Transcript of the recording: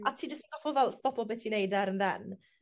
a ti jyst yn goffo fel stopo be' ti neud there an' then ...